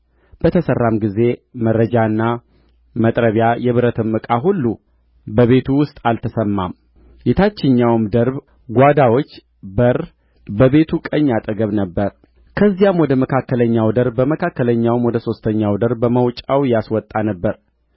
በተሠራም ጊዜ መራጃና መጥረቢያ የብረትም ዕቃ ሁሉ በቤቱ ውስጥ አልተሰማም የታችኛውም ደርብ ጓዳዎች በር በቤቱ ቀኝ አጠገብ ነበረ ከዚያም ወደ መካከለኛው ደርብ ከመካከለኛውም ወደ ሦስተኛው ደርብ በመውጫ ያስወጣ ነበር